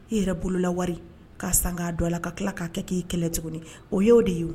I yɛrɛ bolo lawale k' san k'a don a la ka tila k'a kɛ k'i kɛlɛ tuguni o y ye o de ye